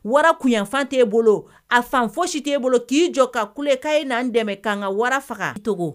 Wara kunfan t'e bolo a fan fɔ si t'e bolo k'i jɔ ka kule k'a ye n'an dɛmɛ ka' ka wara faga cogogo